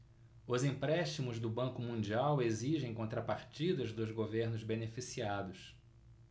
os empréstimos do banco mundial exigem contrapartidas dos governos beneficiados